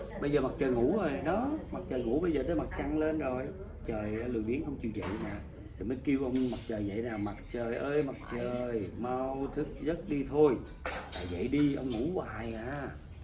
bây giờ mặt chời ngủ rồi đó mặt chời ngủ bây giờ tới mặt trăng lên rồi chời ơi lười biếng không chịu dậy nè rồi mới kêu ông mặt chời dậy nè mặt chời ơi mặt chời mau thức giấc đi thôi là dậy đi ông ngủ hoài à